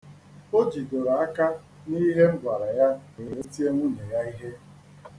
O jidoro aka n'ihe m gwara ya wee tie nwunye ya ihe.